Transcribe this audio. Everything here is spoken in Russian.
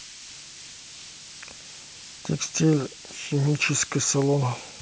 detail текстиль химчистка салона